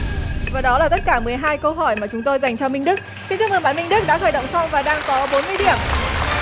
và đó là tất cả mười hai câu hỏi mà chúng tôi dành cho minh đức xin chúc mừng bạn minh đức đã khởi động xong và đang có bốn mươi điểm